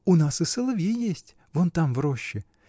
— У нас и соловьи есть — вон там, в роще!